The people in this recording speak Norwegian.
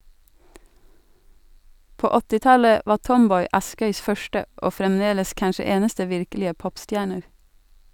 På 80-tallet var Tomboy Askøys første og fremdeles kanskje eneste virkelige popstjerner.